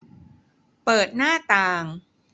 เปิดหน้าต่าง